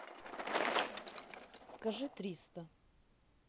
скажи триста